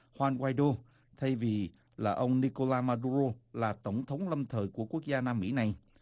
hoan oai đô thay vì là ông ni cô la ma đu rô là tổng thống lâm thời của quốc gia nam mỹ này